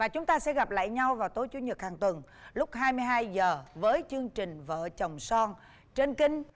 và chúng ta sẽ gặp lại nhau vào tối chủ nhật hàng tuần lúc hai mươi hai giờ với chương trình vợ chồng son trên kênh